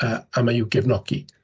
Yy a mae i'w gefnogi.